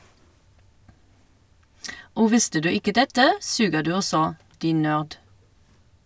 Og visste du ikke dette, suger du også, din nørd!